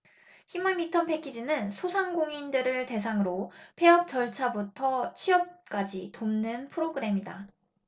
희망리턴패키지는 소상공인들을 대상으로 폐업 절차부터 취업까지 돕는 프로그램이다